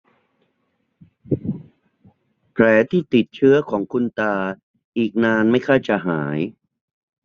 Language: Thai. แผลที่ติดเชื้อของคุณตาอีกนานมั้ยคะจะหาย